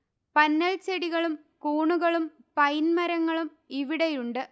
പന്നൽച്ചെടികളും കൂണുകളും പൈൻ മരങ്ങളും ഇവിടെയുണ്ട്